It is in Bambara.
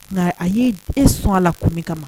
Nka a ye e sɔn a la kun min kama